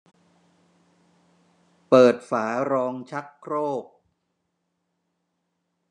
เปิดฝารองชักโครก